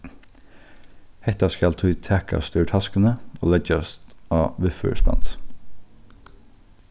hetta skal tí takast úr taskuni og leggjast á viðførisbandið